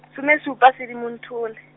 some supa Sedimonthole.